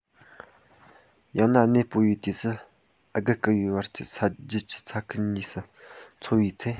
ཡང ན གནས སྤོ བའི དུས སུ བརྒལ དཀའ བའི བར གྱི ས རྒྱུད ཀྱི ས ཁུལ གཉིས སུ འཚོ བའི ཚེ